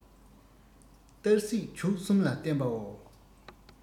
གཏར སྲེག བྱུག གསུམ ལ བརྟེན པའོ